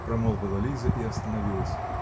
-- промолвила Лиза и остановилась.